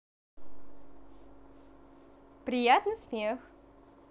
приятный смех